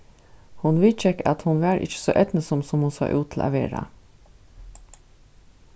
hon viðgekk at hon var ikki so eydnusom sum hon sá út til at vera